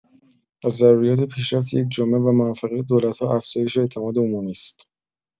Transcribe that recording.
از ضروریات پیشرفت یک جامعه و موفقیت دولت‌ها افزایش اعتماد عمومی است.